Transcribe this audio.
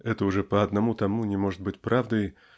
Это уже по одному тому не может быть правдой